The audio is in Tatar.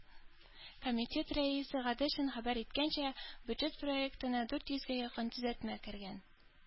Комитет рәисе Гаделшин хәбәр иткәнчә, бюджет проектына дүрт йөзгә якын төзәтмә кергән.